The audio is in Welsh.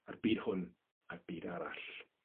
a'r byd hwn a'r byd arall.